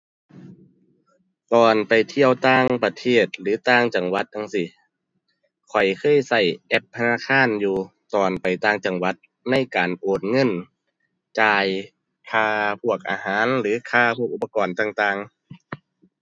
ตอนไปเที่ยวต่างประเทศหรือต่างจังหวัดจั่งซี้ ข้อยเคยใช้แอปธนาคารอยู่ตอนไปต่างจังหวัดในการโอนเงิน จ่ายค่าพวกอาหารหรือค่าพวกอุปกรณ์ต่างต่าง